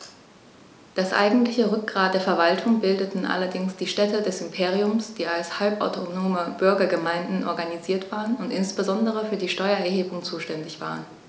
Das eigentliche Rückgrat der Verwaltung bildeten allerdings die Städte des Imperiums, die als halbautonome Bürgergemeinden organisiert waren und insbesondere für die Steuererhebung zuständig waren.